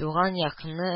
Туган якны